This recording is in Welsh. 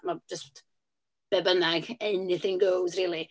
Mae jyst, be bynnag, anything goes rili.